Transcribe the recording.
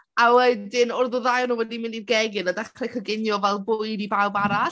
a wedyn oedd y ddau o nhw wedi mynd i'r gegin a dechrau coginio fel bwyd i bawb arall.